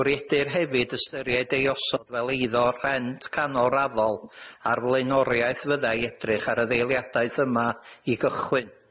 Bwriedir hefyd ystyried ei osod fel eiddo rhent canolraddol, a'r flaenoriaeth fyddai edrych ar y ddeiliadaeth yma i gychwyn.